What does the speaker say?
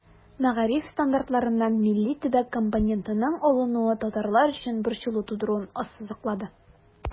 Мәгариф стандартларыннан милли-төбәк компонентының алынуы татарлар өчен борчылу тудыруын ассызыклады.